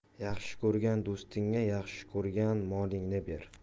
yaxshi ko'rgan do'stingga yaxshi ko'rgan molingni ber